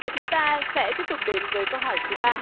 và chúng ta sẽ tiếp tục đến với câu hỏi thứ ba